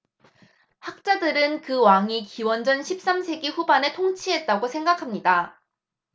학자들은 그 왕이 기원전 십 삼 세기 후반에 통치했다고 생각합니다